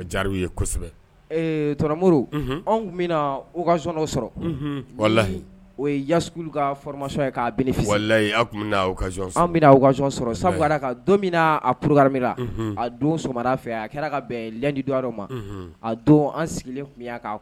T anw tun bɛ u kaz sɔrɔ walayi o ye yaku kama ye'yi bɛ kasɔn sɔrɔ sabulara kan don min na a pmina a don somada fɛ a kɛra ka bɛn ladi yɔrɔ ma a don an sigilen tun' kan